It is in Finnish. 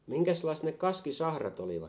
minkäslaiset ne kaskisahrat olivat